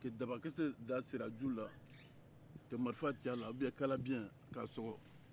ka dabakisɛ da siraju la ka marifa ci a la oubien kalabiyɛn k'a sɔgɔ